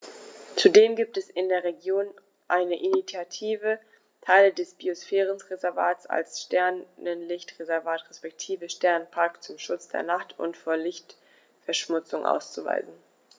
Zudem gibt es in der Region eine Initiative, Teile des Biosphärenreservats als Sternenlicht-Reservat respektive Sternenpark zum Schutz der Nacht und vor Lichtverschmutzung auszuweisen.